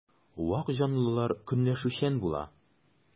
Вак җанлылар көнләшүчән була.